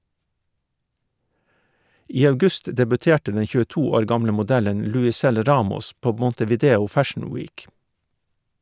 I august debuterte den 22 år gamle modellen Luisel Ramos på Montevideo Fashion Week.